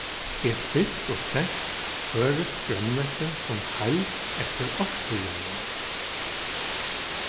et fyrst og fremst føroyskt grønmeti sum heild eftir árstíðunum